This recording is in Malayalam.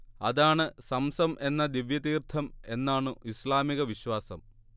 അതാണ് സംസം എന്ന ദിവ്യതീർത്ഥം എന്നാണ് ഇസ്ലാമിക വിശ്വാസം